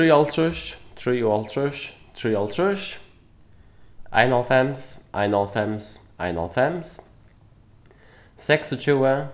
trýoghálvtrýss trýoghálvtrýss trýoghálvtrýss einoghálvfems einoghálvfems einoghálvfems seksogtjúgu